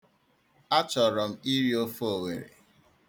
Achọrọ m iri ofe owere.